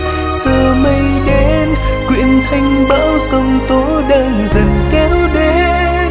giờ mây đen quyện thành bão giông tố đang dần kéo đến